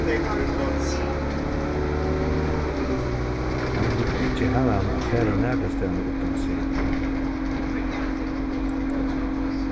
hann vil ikki hava hana at fara nakrastaðni uttan seg